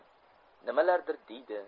nimalardir deydi